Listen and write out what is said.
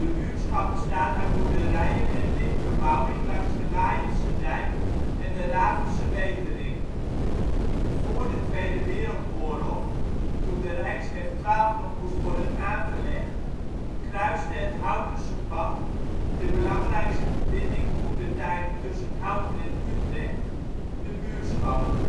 buurtschap bestaat uit boerderijen en lintbebouwing langs de Wayense Dijk en de Ravense Wetering. Voor de Tweede Wereldoorlog, toen de rijksweg 12 nog moest worden aangelegd, kruiste het Houtense Pad, de belangrijkste verbinding toentertijd tussen Houten en Utrecht, de buurtschap